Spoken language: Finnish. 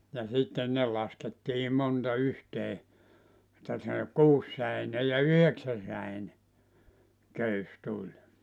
ja sitten ne laskettiin monta yhteen että se kuusisäinen ja yhdeksänsäinen köysi tuli